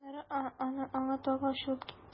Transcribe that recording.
Аннары аңы тагы ачылып китте.